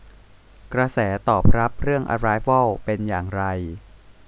กระแสตอบรับเรื่องอะไรวอลเป็นอย่างไร